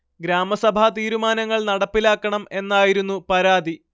ഗ്രാമസഭാ തീരുമാനങ്ങൾ നടപ്പിലാക്കണം എന്നായിരുന്നു പരാതി